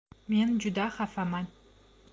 men juda xafaman